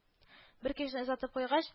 Бер кичне озатып куйгач